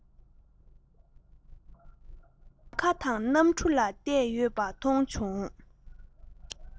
ནམ མཁའ དང གནམ གྲུ ལ གཏད ཡོད པ མཐོང བྱུང